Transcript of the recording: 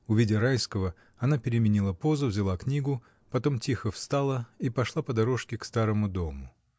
Увидя Райского, она переменила позу, взяла книгу, потом тихо встала и пошла по дорожке к старому дому.